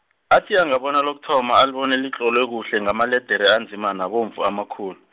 athi angabona lokuthoma, alibone litlolwe kuhle ngamaledere anzima nabovu, amakhulu.